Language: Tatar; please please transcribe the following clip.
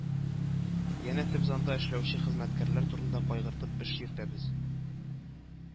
Янәсе, без анда эшләүче хезмәткәрләр турында кайгыртып эш йөртәбез